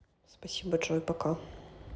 спасибо джой пока